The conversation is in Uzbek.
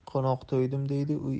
qo'noq to'ydim deydi